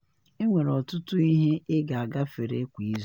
Enwere ọtụtụ ihe ị ga-agafere kwa izu.